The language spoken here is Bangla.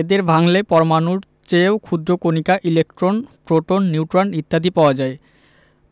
এদের ভাঙলে পরমাণুর চেয়েও ক্ষুদ্র কণিকা ইলেকট্রন প্রোটন নিউট্রন ইত্যাদি পাওয়া যায়